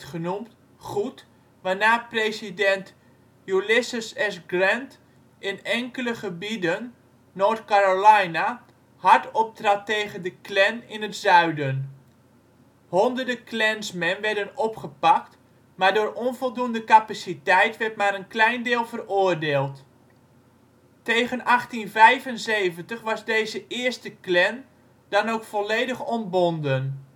genoemd) goed, waarna president Ulysses S. Grant in enkele gebieden (North Carolina) hard optrad tegen de Klan in het Zuiden. Honderden Klansmen werden opgepakt, maar door onvoldoende capaciteit werd maar een klein deel veroordeeld. Tegen 1875 was deze eerste Klan dan ook volledig ontbonden